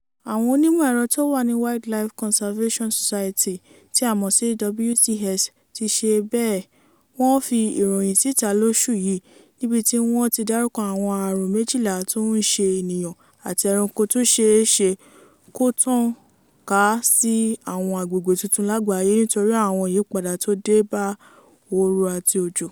Àwọn onímọ ẹ̀rọ̀ tó wà ní Wildlife Conservation Society (WCS) ti ṣe bẹ́ẹ̀ — Wọ́n fi ìròyìn sítà lóṣù yìí níbi tí wọ́n ti dárukọ àwọn aàrùn 12 tó ń ṣe ènìyàn àti ẹranko tó ṣeé ṣe kó tàn ká sí àwọn agbègbè tuntun lágbàáyé nítorí àwọn ìyípadà tó dé bá ooru àti òjò.